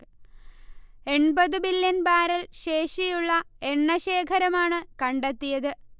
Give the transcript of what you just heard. എൺപതു billion barrel ശേഷിയുള്ള എണ്ണശേഖരമാണ് കണ്ടെത്തിയത്